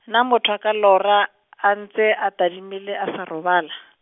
na motho a ka lora, a ntse a tadimile a sa robala?